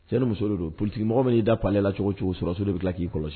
Cɛni muso don polikimɔgɔ min y'i da' ale la cogo cogo sɔrɔdaso de bɛ tila k'i kɔlɔsi